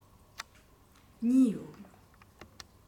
གཉིས ཡོད